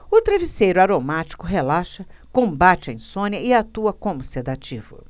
o travesseiro aromático relaxa combate a insônia e atua como sedativo